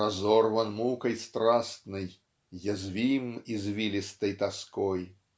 "разорван мукой страстной язвим извилистой тоской"